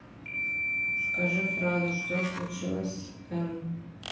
скажи фразу что случилось с m